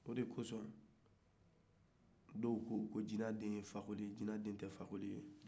o de kɔsɔ dɔw ko ko jina den de ye fakoli ye jina ten tɛ fakoli ye